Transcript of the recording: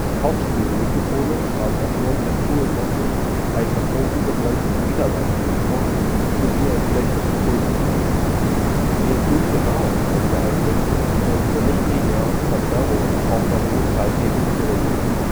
Tauchspulenmikrofone haben aufgrund der Spulenmasse ein nach oben begrenztes Wiedergabespektrum sowie ein schlechtes Impulsverhalten. Sie sind gut für Nahaufnahmen geeignet, da ihre nichtlinearen Verzerrungen auch bei hohen Schallpegeln gering sind